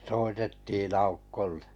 soitettiin Aukolle